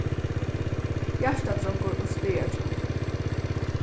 hjartardrongur og spaðardrongur